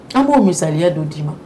An b'o misaliya don d'i ma